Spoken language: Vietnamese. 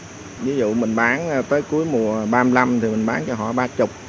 ví dụ mình bán à tới cuối mùa ba lăm thì mình bán cho họ ba chục